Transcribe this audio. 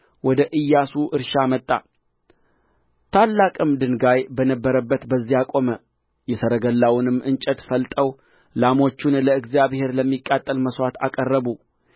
ወደ ኢያሱ እርሻ መጣ ታላቅም ድንጋይ በነበረበት በዚያ ቆመ የሰረገላውንም እንጨት ፈልጠው ላሞቹን ለእግዚአብሔር ለሚቃጠል መሥዋዕት አቀረቡ